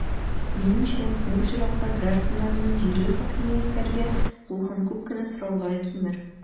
Минемчә, бу очракта гражданнарның җирле хакимиятләргә булган күп кенә сораулары кимер.